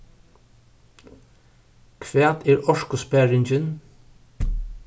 hvat er orkusparingin